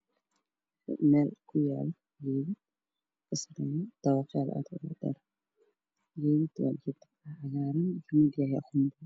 Sawirka waxaa ka muuqda meel ay ku yaalaan dabaqyo gurya hoose iyo geedo cagaaran